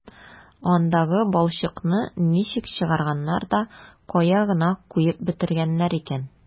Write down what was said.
Андагы балчыкны ничек чыгарганнар да кая гына куеп бетергәннәр икән...